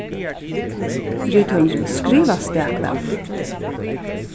rithøvundurin skrivar stak væl